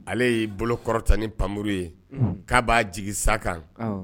Ale ye bolo kɔrɔ tan ni npmmuru ye k'a b'a jigin sa kan